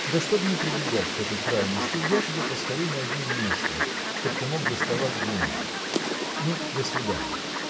Да чтоб не прибегать к этой крайности я тебе поскорей найду место чтоб ты мог доставать деньги. Ну, до свиданья.